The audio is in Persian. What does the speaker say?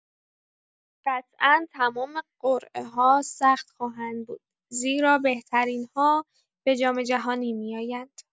قطعا تمام قرعه‌ها سخت خواهند بود زیرا بهترین‌ها به جام‌جهانی می‌آیند.